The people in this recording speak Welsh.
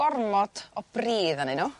gormod o bridd anyn n'w